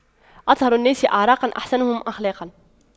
أطهر الناس أعراقاً أحسنهم أخلاقاً